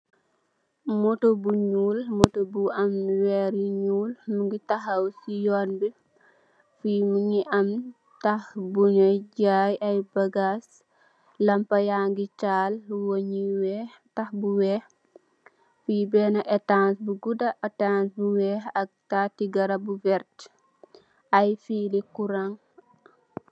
Motor bu njull, motor bu am werri njull mungy takhaw cii yon bii, fii mungy am taakh bu njoi jaii aiiy bagass, lampah yangy taal, weungh yu wekh, takh bu wekh, fii benah ehtanss bu guda, ehtanss bu wekh ak taati garabu vertue, aiiy filli kurang.